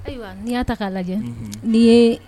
Ayiwa n'i y'a ta k'a lajɛ n' ye